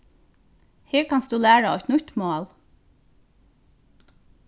her kanst tú læra eitt nýtt mál